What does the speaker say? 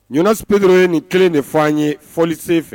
Ɲsipereur ye nin kelen de fɔ an ye fɔli sen fɛ